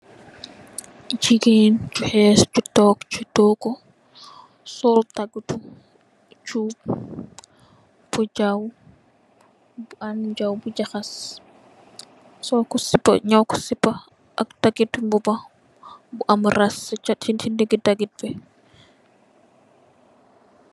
Jegain ju hess ju tonke se toogu sol dagetu chub bu jaw bu am jaw bu jahas solku sepa nyaw ku sepa ak dagete te muba bu am rass se chate ye se nege dagete be.